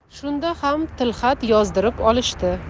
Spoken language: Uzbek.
shunda ham tilxat yozdirib olishdi